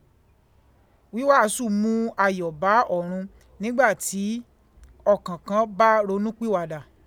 Wíwàásù mú ayọ̀ bá ọ̀run nígbà tí ọkàn kan bá ronúpìwàdà.